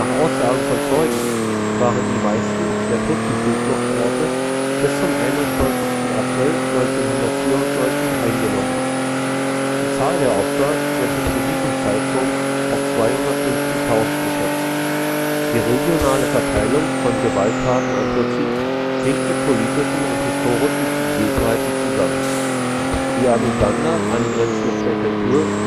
Aussagen von Zeugen waren die meisten der Tutsi-Zufluchtsorte bis zum 21. April 1994 eingenommen. Die Zahl der Opfer wird bis zu diesem Zeitpunkt auf 250.000 geschätzt. Die regionale Verteilung der Gewalttaten an Tutsi hing mit politischen und historischen Gegebenheiten zusammen. Die an Uganda angrenzende Präfektur Byumba